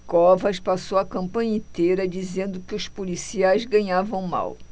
covas passou a campanha inteira dizendo que os policiais ganhavam mal